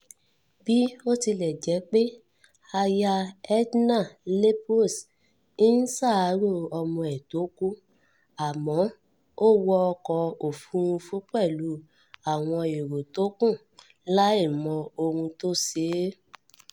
Bí ó tilẹ̀ jẹ́ pé Aya Ednan-Laperouse ń ṣàárò ọmọ e tó kú, àmọ́ ó wọ ọkọ̀-òfúrufú pẹ̀lú àwọn èrò tó kù láìmọ ohun tó ṣee ẹ́.